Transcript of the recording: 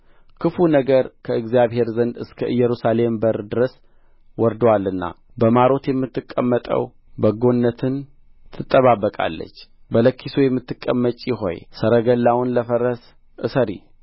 ክፉ ነገር ከእግዚአብሔር ዘንድ እስከ ኢየሩሳሌም በር ድረስ ወርዶአልና በማሮት የምትቀመጠው በጎነትን ትጠባበቃለች በለኪሶ የምትቀመጪ ሆይ ሰረገላውን ለፈረስ እሰሪ